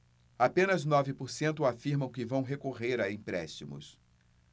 apenas nove por cento afirmam que vão recorrer a empréstimos